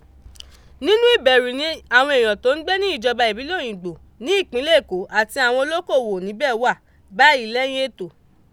Nínú ìbẹ̀rù ni àwọn èèyàn tó ń gbé ní ìjọ̀ba ìbílẹ̀ Òyìngbò ní ìpínlẹ̀ Èkó àti àwọn olóko òwò níbẹ̀ wà báyìí lẹ́yìn ètò.